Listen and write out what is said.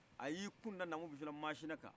a ye i kunda namagusula maasina kan